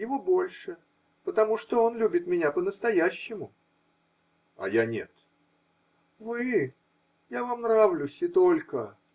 Его больше, потому что он любит меня по настоящему. -- А я нет? -- Вы? Я вам нравлюсь и только.